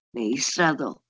neu israddol.